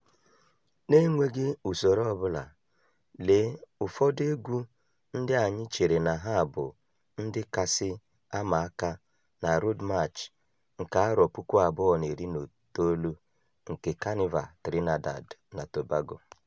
N'enweghị usoro ọ bụla, lee ụfọdụ egwu ndị anyị chere na ha bụ ndị kachasị ama aka na Road March nke 2019 nke Kanịva Trinidad na Tobago ...